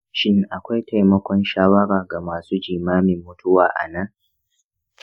shin akwai taimakon shawara ga masu jimamn mutuwa a nan?